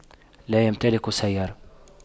لا يمتلك سيارة